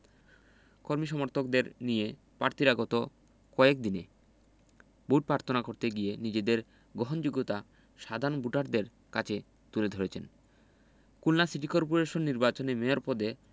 কর্মী সমর্থকদের নিয়ে প্রার্থীরা গত কয়েক দিনে ভোট প্রার্থনা করতে গিয়ে নিজেদের গ্রহণযোগ্যতা সাধারণ ভোটারদের কাছে তুলে ধরেছেন খুলনা সিটি করপোরেশন নির্বাচনে মেয়র পদে